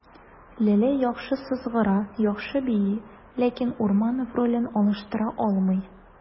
Ләлә яхшы сызгыра, яхшы бии, ләкин Урманов ролен алыштыра алмый.